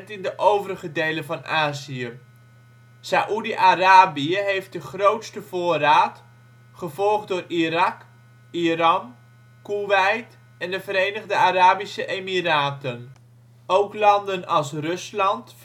in de overige delen van Azië. Saoedi-Arabië heeft de grootste voorraad, gevolgd door Irak, Iran, Koeweit en de Verenigde Arabische Emiraten. Ook landen als Rusland